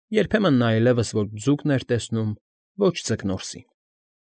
Երբեմն նա այլևս ոչ ձուկն էր տեսնում, ոչ ձկնորսին։